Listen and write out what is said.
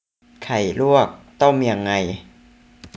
ไข่ลวกต้มยังไง